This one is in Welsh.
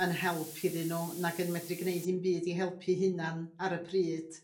yn help iddyn nhw nag yn medru gneud dim byd i helpu'u hunan ar y pryd